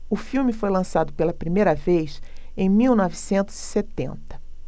o filme foi lançado pela primeira vez em mil novecentos e setenta